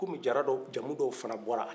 komi jaradɔwjamu dɔ bɔra a la